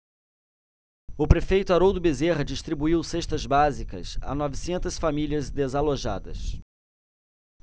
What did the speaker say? o prefeito haroldo bezerra distribuiu cestas básicas a novecentas famílias desalojadas